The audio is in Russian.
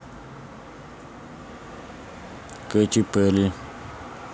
katy perry